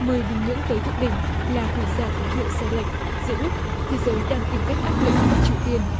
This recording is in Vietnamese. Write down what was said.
mời bình nhưỡng tới thượng đỉnh là gửi ra tín hiệu sai lệch giữa lúc thế giới đang tìm cách áp lực bắc triều tiên